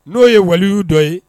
N'o ye waliw dɔ ye